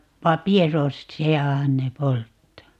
paperossiahan ne polttaa